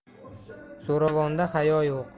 zo'ravonda hayo yo'q